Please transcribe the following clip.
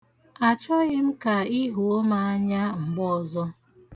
Achọghị m ka ị huo m anya mgbe ọzọ.